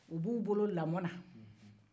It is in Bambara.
u b'u bolo lamɔ na